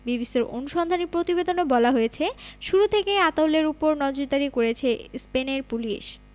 বিবিসির অনুসন্ধানী প্রতিবেদনে বলা হয়েছে শুরু থেকেই আতাউলের ওপর নজরদারি করেছে স্পেনের পুলিশ